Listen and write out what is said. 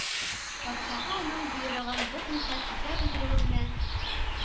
Патшага аның боерыгын бозмыйча сезгә белдерүемне